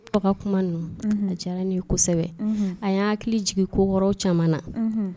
Aw ka kuma ninnu ,unhun, adiyara ne ye kosɛbɛ, unhun, a ye n hakili jigin ko kɔrɔ caaman na.